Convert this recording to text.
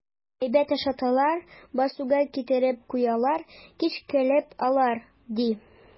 Әйбәт ашаталар, басуга китереп куялар, кич килеп алалар, ди.